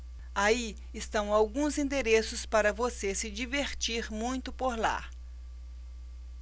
aí estão alguns endereços para você se divertir muito por lá